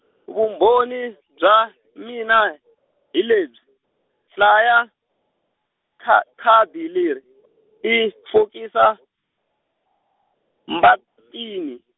vumbhoni , bya, mina, hi lebyi, hlaya kha khadi leri , i fokisi, Mbatini.